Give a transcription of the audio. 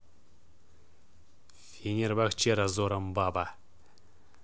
фенербахче разором баба